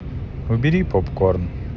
убери попкорн